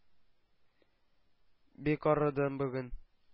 “бик арыдым бүген.